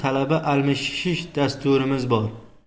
talaba almashish dasturimiz bor